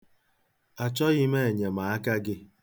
Achọghị m enyemaka gị.